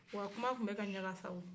wa kuma tun bɛ ka ɲaga sa o